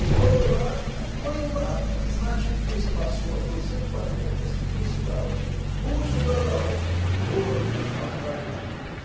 — То и ладно, то и ладно: значит, приспособился к потребностям государства, вкус угадал, город успокоивает.